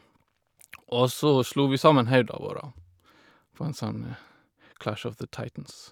Og så slo vi sammen hodene våre på en sånn Clash of the Titans.